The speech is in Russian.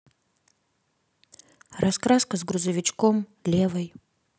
раскраска с грузовичком левой